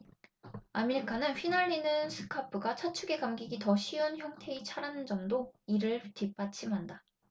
아밀카는 휘날리는 스카프가 차축에 감기기 더 쉬운 형태의 차라는 점도 이를 뒷받침한다